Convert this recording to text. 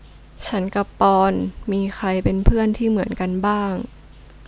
ฉันกับปอนด์มีใครเป็นเพื่อนที่เหมือนกันบ้าง